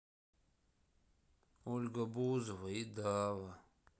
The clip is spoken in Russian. ольга бузова и дава